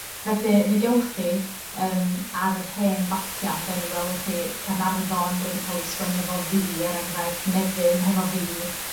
Felly, mi gewch chi yym, ar yr hen fapia' ynde, mi welwch chi Carnarfon wedi ca'l 'i sgwennu efo Vee, er enghraifft, Nefyn hefo Vee